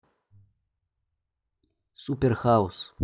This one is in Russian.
super house